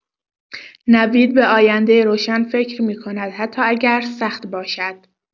نوید به آینده روشن‌فکر می‌کند حتی اگر سخت باشد.